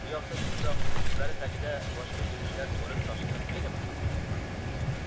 bu yoqda shundoq tumshuqlari tagida boshqa yemishlar to'lib toshib yotmaydimi